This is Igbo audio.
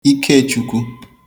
Ikechukwu